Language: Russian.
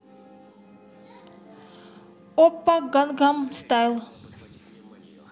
оппа гангнам стайл